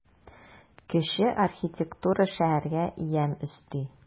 Кече архитектура шәһәргә ямь өсти.